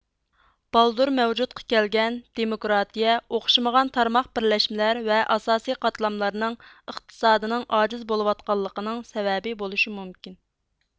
بالدۇر مەۋجۇدقا كەلگەن دېمۇكىراتىيە ئوخشىمىغان تارماق بىرلەشمىلەر ۋە ئاساسىي قاتلاملارنىڭ ئېقتىسادنىڭ ئاجىز بولىۋاتقانلىقىنىڭ سەۋەبى بولىشى مۇمكىن